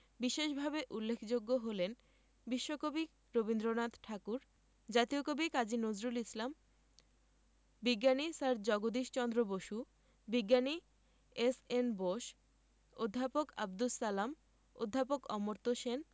বিশেষভাবে উল্লেখযোগ্য হলেন বিশ্বকবি রবীন্দ্রনাথ ঠাকুর জাতীয় কবি কাজী নজরুল ইসলাম বিজ্ঞানী স্যার জগদীশ চন্দ্র বসু বিজ্ঞানী এস.এন বোস অধ্যাপক আবদুস সালাম অধ্যাপক অমর্ত্য সেন